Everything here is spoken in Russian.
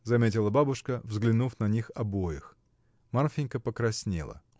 — заметила бабушка, взглянув на них обоих. Марфинька покраснела.